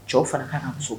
Cɛw fana ka muso